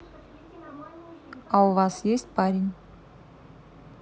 а у вас есть парень